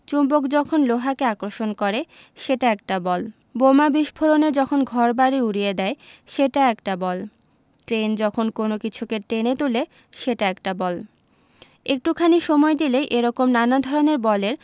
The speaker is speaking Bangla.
চুম্বক যখন লোহাকে আকর্ষণ করে সেটা একটা বল বোমা বিস্ফোরণে যখন ঘরবাড়ি উড়িয়ে দেয় সেটা একটা বল ক্রেন যখন কোনো কিছুকে টেনে তুলে সেটা একটা বল একটুখানি সময় দিলেই এ রকম নানা ধরনের বলের